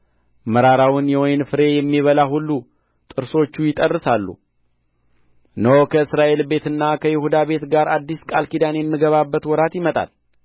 መራራውን የወይን ፍሬ የሚበላ ሁሉ ጥርሶቹ ይጠርሳሉ እነሆ ከእስራኤል ቤትና ከይሁዳ ቤት ጋር አዲስ ቃል ኪዳን የምገባበት ወራት ይመጣል